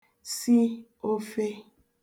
si ofe